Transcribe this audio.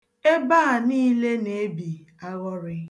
Ebe a niile na-ebi aghọrị.